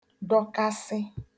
dọkasị